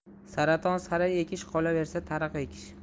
saraton sara ekish qolaversa tariq ekish